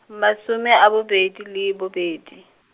masome a bobedi le bobedi.